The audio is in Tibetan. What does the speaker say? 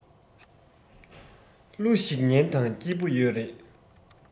གླུ ཞིག ཉན དང སྐྱིད པོ ཡོད རེད